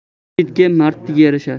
yigitga mardlik yarashar